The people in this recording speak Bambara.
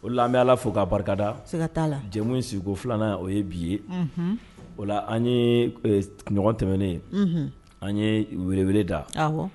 O la an bɛ Ala fo ka barikada. Siga ta la. Jɛmu in sigi ko filanan o ye bi ye . Unhun O la an ye a ɲɔgɔn tɛmɛnen Unhun an ye wele wele da awɔ